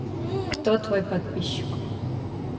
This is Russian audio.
кто твой подписчик